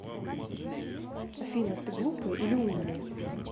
афина ты глупая или умная